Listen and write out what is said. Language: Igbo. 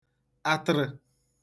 atịrị